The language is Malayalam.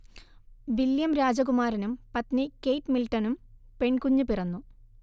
വില്യം രാജകുമാരനും പത്നി കെയ്റ്റ് മിൽടണും പെൺകുഞ്ഞ് പിറന്നു